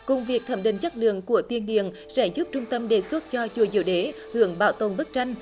cùng việc thẩm định chất lượng của tiền điện sẽ giúp trung tâm đề xuất cho chùa diệu đế hưởng bảo tồn bức tranh